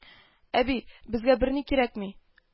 - әби, безгә берни кирәкми